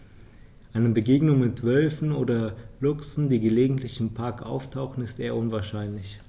Eine Begegnung mit Wölfen oder Luchsen, die gelegentlich im Park auftauchen, ist eher unwahrscheinlich.